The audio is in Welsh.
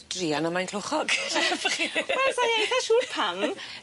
Druan o Maenclochog. Wel sai eitha siŵr pam.